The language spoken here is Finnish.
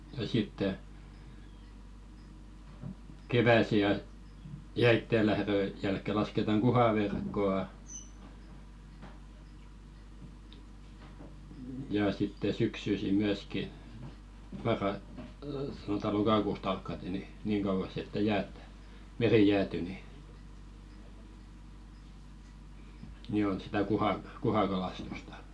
ja sitten keväisin - jäiden lähdön jälkeen lasketaan kuhaverkkoa ja sitten syksyisin myöskin - sanotaan lokakusta alkaen niin niin kauas että jäät meri jäätyy niin niin on sitä - kuhakalastusta